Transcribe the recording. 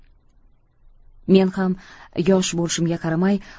men ham yosh bo'lishimga qaramay